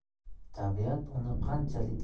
tabiat uni qanchalik